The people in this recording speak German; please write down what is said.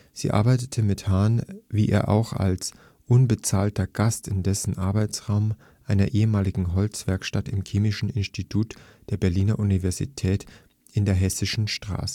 Sie arbeitete mit Hahn – wie er auch – als „ unbezahlter Gast “in dessen Arbeitsraum, einer ehemaligen „ Holzwerkstatt “, im Chemischen Institut der Berliner Universität in der Hessischen Straße